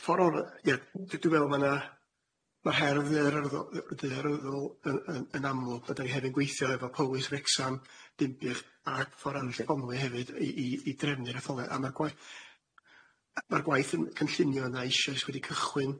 Y ffor o'r yy ie d- dwi'n meddwl ma' na ma'r her iararddo- yy daearyddol y- yn yn yn amlwg ydan ni hefyd yn gweithio efo Powys, Wrecsam, Dinbych a ffor arall i Gonwy hefyd i i i drefnu'r etholiad a ma'r gwa- ma'r gwaith yn cynllunio yna eisioes wedi cychwyn.